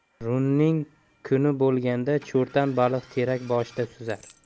running kuni bo'lganda cho'rtan baliq terak boshida suzar